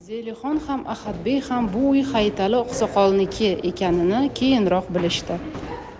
zelixon ham ahadbey ham bu uy hayitali oqsoqolniki ekanini keyinroq bilishdi